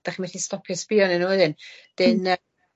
dach chi methu stopio sbïo anyn nw wedyn. 'Dyn yy